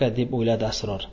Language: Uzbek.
deb o'yladi sror